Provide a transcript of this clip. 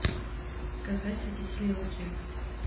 кафе святителей луке